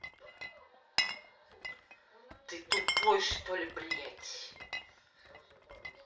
ты тупой что ли блядь